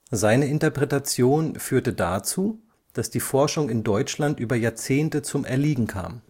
Seine Interpretation führte dazu, dass die Forschung in Deutschland über Jahrzehnte zum Erliegen kam